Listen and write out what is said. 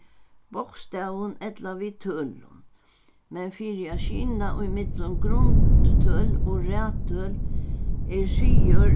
bókstavum ella við tølum men fyri at skyna ímillum grundtøl og raðtøl er siður